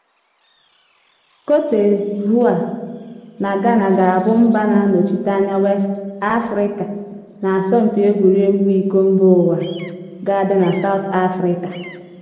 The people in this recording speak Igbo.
Côte D'Ivoire na Ghana ga-abụ mba na-anọchite anya West Afrịka n'asọmpi egwuregwu iko mba ụwa ga-adị na South Afrịka.